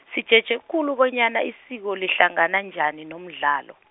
sitjheje khulu bonyana isiko lihlangana njani nomdlalo.